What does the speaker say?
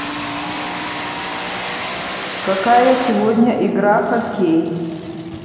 какая сегодня игра хоккей